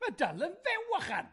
Ma' dal yn fyw ychan!